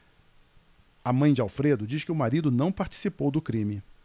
a mãe de alfredo diz que o marido não participou do crime